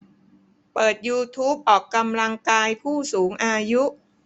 เปิดยูทูปออกกำลังกายผู้สูงอายุ